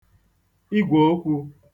igwòokwū